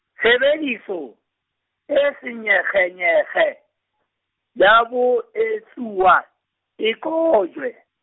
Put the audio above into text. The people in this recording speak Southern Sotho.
tshebediso, e senyekgenyekge , ya boetsuwa, e qojwe.